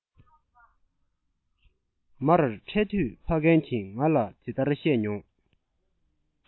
མར འཕྲད དུས ཕ རྒན གྱིས ང ལ དེ ལྟར བཤད མྱོང